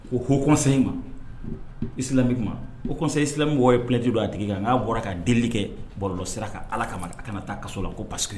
O ko kɔnsan in ma i o silamɛ bɔ ye plɛj don a tigi kan n'a bɔra ka deli kɛ bɔlɔ sera ka ala kama a kana taa kaso la ko paseke